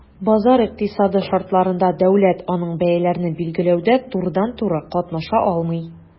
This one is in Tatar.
Базар икътисады шартларында дәүләт анык бәяләрне билгеләүдә турыдан-туры катнаша алмый.